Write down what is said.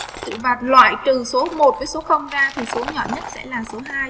loại từ số tới số không ra thì số nhỏ nhất sẽ làm số